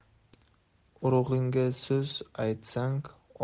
urug'ingga so'z aytsang